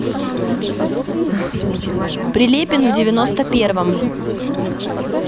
прилепин в девяносто первом